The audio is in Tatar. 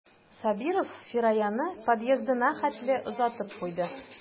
Сабиров Фираяны подъездына хәтле озатып куйды.